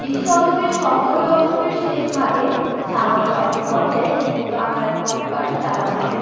বিশ শতকের সত্তর দশকের শেষভাগে সামান্য কয়েকটি পর্যায়ে সীমিত আকারে খনন কার্য চালানো হয়